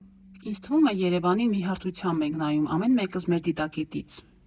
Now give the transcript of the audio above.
Ինձ թվում է՝ Երևանին մի հարթությամբ ենք նայում, ամեն մեկս մեր դիտակետից։